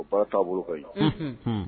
O baara taa bolo ka ɲi Unhun